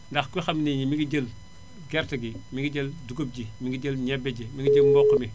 ndax ku xam koo xam nii mi ngi jël gerte gi mi ngi jël dugub ji mi ngi jël ñebe ji mi ngi jël mboq mi